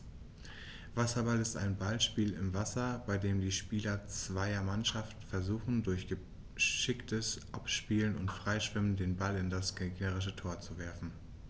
Wasserball ist ein Ballspiel im Wasser, bei dem die Spieler zweier Mannschaften versuchen, durch geschicktes Abspielen und Freischwimmen den Ball in das gegnerische Tor zu werfen.